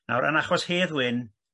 Nawr yn achos Hedd Wyn